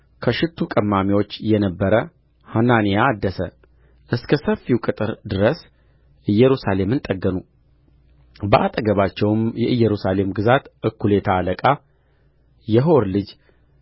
ከሽቱ ቀማሚዎች የነበረ ሐናንያ አደሰ እስከ ሰፊው ቅጥር ድረስ ኢየሩሳሌምን ጠገኑ በአጠገባቸውም የኢየሩሳሌም ግዛት እኵሌታ አለቃ የሆር ልጅ